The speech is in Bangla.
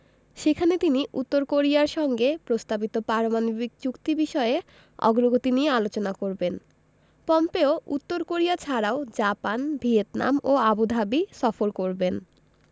সেখানে তিনি উত্তর কোরিয়ার সঙ্গে প্রস্তাবিত পারমাণবিক চুক্তি বিষয়ে অগ্রগতি নিয়ে আলোচনা করবেন পম্পেও উত্তর কোরিয়া ছাড়াও জাপান ভিয়েতনাম ও আবুধাবি সফর করবেন